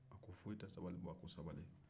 a ko foyi tɛ sabali bɔ a ko sabali